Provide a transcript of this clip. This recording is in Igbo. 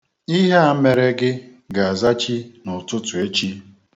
Ihe a mere gị ga-azachi n'ụtụtụ echi.